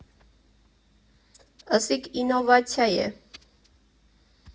Ըսիգ իննովացիա՜ է։